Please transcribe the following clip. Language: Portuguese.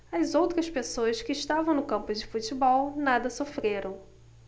as outras pessoas que estavam no campo de futebol nada sofreram